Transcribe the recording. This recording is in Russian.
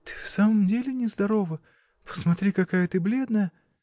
— Ты в самом деле нездорова — посмотри, какая ты бледная!